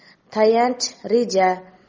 tayanch reja